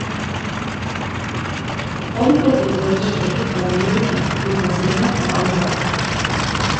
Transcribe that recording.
Håndplukket til å gi egypterne juling, tok han sin jobb på alvor.